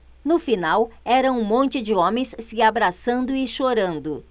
no final era um monte de homens se abraçando e chorando